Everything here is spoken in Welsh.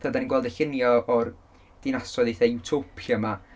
Dan ni'n gweld y lluniau o'r dinasoedd eitha utopia 'ma...